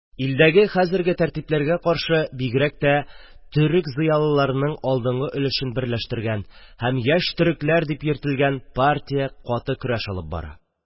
Илдәге хәзерге тәртипләргә каршы бигрәк тә төрек зыялыларының алдынгы өлешен берләштергән һәм «Яшь төрекләр» дип йөртелгән партия каты көрәш алып бара.